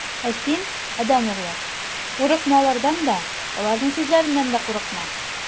Ә син, адәм углы, курыкма алардан да, аларның сүзләреннән дә курыкма.